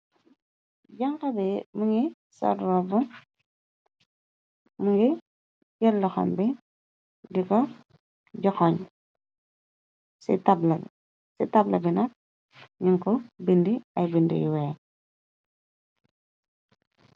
Janxabe mongi sol roba mu ngi gël loxom bi di ko joxoñ ci tabla tabla binak ñunko bindi ay bindi yu weex.